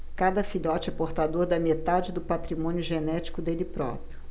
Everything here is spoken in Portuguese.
cada filhote é portador da metade do patrimônio genético dele próprio